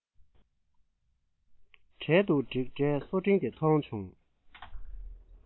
གྲལ དུ བསྒྲིགས འདྲའི སོ ཕྲེང དེ མཐོང བྱུང